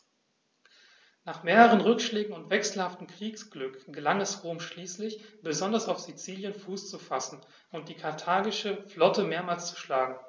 Nach mehreren Rückschlägen und wechselhaftem Kriegsglück gelang es Rom schließlich, besonders auf Sizilien Fuß zu fassen und die karthagische Flotte mehrmals zu schlagen.